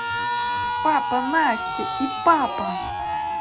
папа настя и папа